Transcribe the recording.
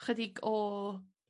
chydig o